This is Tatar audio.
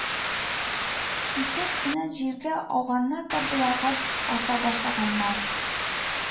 Исә кинәт җиргә ауганнар да боларга ата башлаганнар